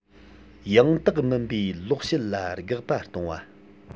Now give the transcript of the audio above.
ཡང དག མིན པའི ལོག བཤད ལ དགག པ གཏོང བ